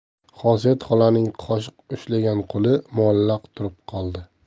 xosiyat xolaning qoshiq ushlagan qo'li muallaq turib qoldi